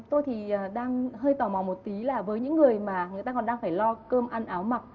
tôi thì đang hơi tò mò một tí là với những người mà người ta còn đang phải lo cơm ăn áo mặc